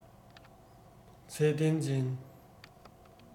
ཚད ལྡན ཅན